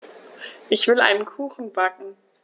Ich will einen Kuchen backen.